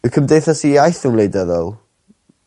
Yw Cymdeithas y Iaith yn wleidyddol?